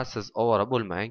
siz ovora bo'lmang